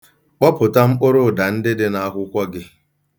Kpọpụta mkpụrụụda ndị dị n'akwụkwọ gị.